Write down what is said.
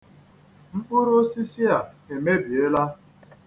Mkpụrụosisi a emebiela.